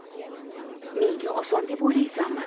menga oson deb o'ylaysanmi